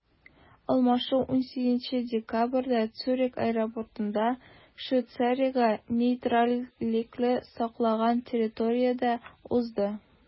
Алмашу 18 декабрьдә Цюрих аэропортында, Швейцариягә нейтральлекне саклаган территориядә узды.